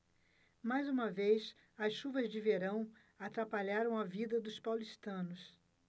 mais uma vez as chuvas de verão atrapalharam a vida dos paulistanos